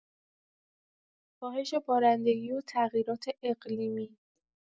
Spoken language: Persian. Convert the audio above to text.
کاهش بارندگی و تغییرات اقلیمی